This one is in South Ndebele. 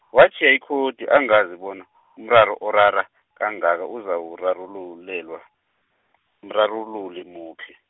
watjhiya Ukholi angazi bona , umraro orara, kangaka uzawurarululelwa , mrarululi muphi.